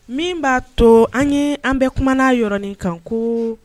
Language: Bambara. Min b'a to an ye an bɛ kuma yɔrɔin kan ko